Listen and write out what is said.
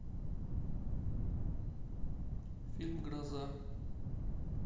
фильм гроза